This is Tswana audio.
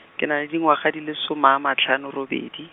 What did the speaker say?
ke na le dingwaga di le soma a matlhano robedi.